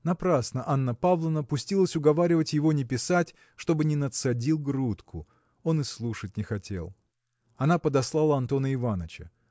Напрасно Анна Павловна пустилась уговаривать его не писать чтобы не надсадил грудку он и слушать не хотел. Она подослала Антона Иваныча.